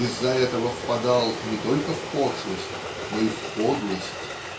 из-за этого впадал не только в пошлость но и в подлость.